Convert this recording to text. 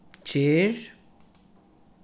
ger